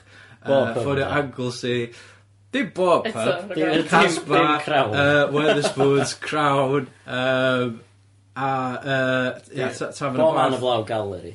... Bob pub ...yy ffonio Anglesey dim bob pub... Eto ...Casbah... Dim Crown. ...yy Wetherspoons, Crown, yym a yy ia Ta- Tafarny Borth... Bo' man eblaw Galeri?